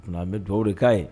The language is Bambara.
An bɛ dugaw de' ye